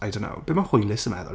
I don't know. Beth mae hwylus yn meddwl?